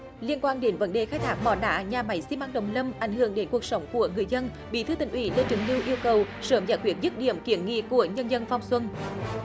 liên quan đến vấn đề khai thác mỏ đá nhà máy xi măng đồng lâm ảnh hưởng đến cuộc sống của người dân bí thư tỉnh ủy lê trường lưu yêu cầu sớm giải quyết dứt điểm kiến nghị của nhân dân phong xuân